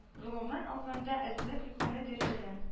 Гомумән алганда әзерлек юганы дәрәҗәдән